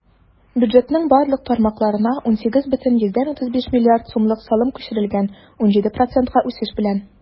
Бюджетның барлык тармакларына 18,35 млрд сумлык салым күчерелгән - 17 процентка үсеш белән.